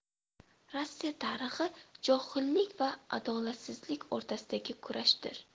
rossiya tarixi johillik va adolatsizlik o'rtasidagi kurashdir